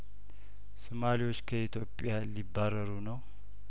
ሶማሌዎች ከኢትዮጵያ ሊባረሩ ነው